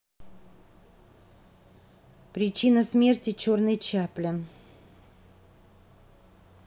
причина смерти черный чаплин